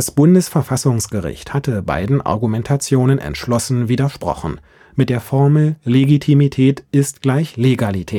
Bundesverfassungsgericht hat beiden Argumentationen entschlossen widersprochen, mit der Formel „ Legitimität ist gleich Legalität